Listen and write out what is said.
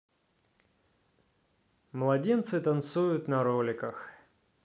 младенцы танцуют на роликах